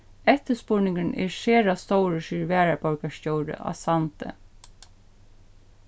eftirspurningurin er sera stórur sigur varaborgarstjóri á sandi